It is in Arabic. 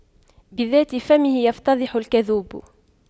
بذات فمه يفتضح الكذوب